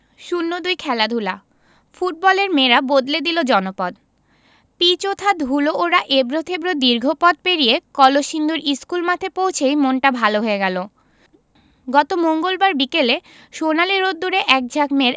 ০২ খেলাধুলা ফুটবলের মেয়েরা বদলে দিল জনপদ পিচ ওঠা ধুলো ওড়া এবড়োখেবড়ো দীর্ঘ পথ পেরিয়ে কলসিন্দুর স্কুলমাঠে পৌঁছেই মনটা ভালো হয়ে গেল গত মঙ্গলবার বিকেলে সোনালি রোদ্দুরে একঝাঁক মেয়ের